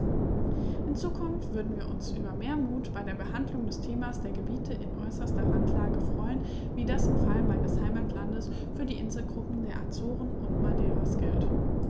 In Zukunft würden wir uns über mehr Mut bei der Behandlung des Themas der Gebiete in äußerster Randlage freuen, wie das im Fall meines Heimatlandes für die Inselgruppen der Azoren und Madeiras gilt.